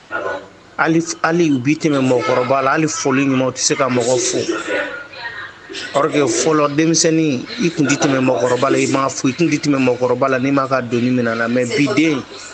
Hali u bɛ u tɛmɛ mɔgɔkɔrɔbaw la hali foli ɲuman u tɛ se ka mɔgɔw fo, alors que fɔlɔ denmisɛnnin i kun ti se ka tɛmɛ mɔgɔkɔrɔbala n'i ma fo, i tu tɛmɛ mɔgɔkɔrɔba la k'i ma a ka donni minɛ mais bi den